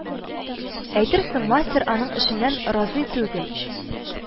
Әйтерсең мастер аның эшеннән разый түгел